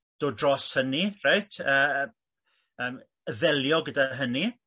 dod dros hynny reit yy yym ddelio gyda hynny